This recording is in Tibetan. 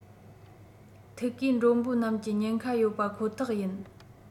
ཐིག གིས མགྲོན པོ རྣམས ཀྱི ཉེན ཁ ཡོད པ ཁོ ཐག ཡིན